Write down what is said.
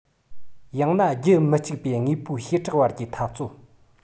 ཡང ན རྒྱུད མི གཅིག པའི དངོས པོའི བྱེ བྲག བར གྱི འཐབ རྩོད